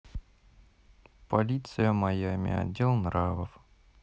полиция майами отдел нравов